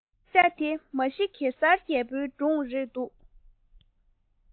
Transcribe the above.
དཔེ ཆ དེ མ གཞི གེ སར རྒྱལ པོའི སྒྲུང རེད འདུག